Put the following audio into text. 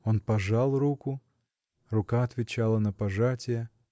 он пожал руку: рука отвечала на пожатие.